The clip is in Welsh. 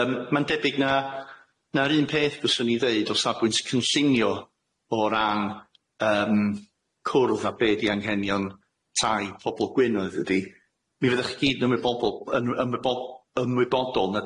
Yym ma'n debyg na na'r un peth byswn i ddeud o safbwynt cynsinio o ran yym cwrdd a be' di anghenion tai pobol gwyn oedd ydi mi fyddech chi gyd yn ymwybobol yn ymwybo- ymwybodol nad